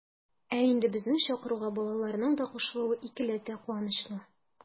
Ә инде безнең чакыруга балаларның да кушылуы икеләтә куанычлы.